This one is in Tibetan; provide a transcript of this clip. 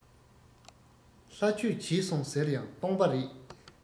ལྷ ཆོས བྱས སོང ཟེར ཡང སྟོང པ རེད